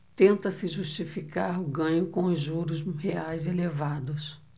tenta-se justificar o ganho com os juros reais elevados